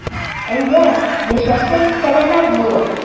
Әйдә, яшәсен сәламәт булып.